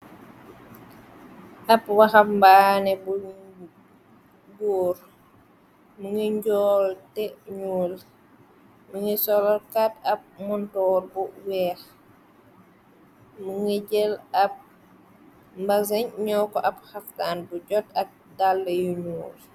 Ab wahambaane bu góor mu ngi njool te ñuul mu ngi sol kat ab montoor bu weexh mu ngi jël ab mbaseñ ñew ko ab haftaam bu jot ak dal yu ñuul.